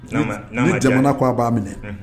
Na ma, na ma jaabi. Ni jamana ko ka ba minɛ.